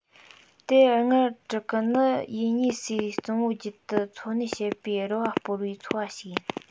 དེ སྔར དྲུ གུ ནི ཡེ ཉི སའེ གཙང པོའི རྒྱུད དུ འཚོ གནས བྱེད པའི རུ བ སྤོ བའི ཚོ བ ཞིག ཡིན